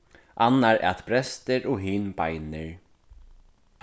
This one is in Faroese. annar æt brestir og hin beinir